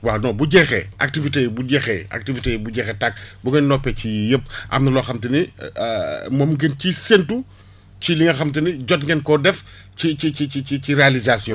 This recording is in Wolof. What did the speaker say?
waa non bu jeexee activité yi bu jeexee activités yi bu jeexee tàkk bu ngeen noppee ci yii yëpp am na loo xam te ni moom ngeen ciy séentu ci li nga xamante ni jot ngeen ko def c ci ci ci ci réalisation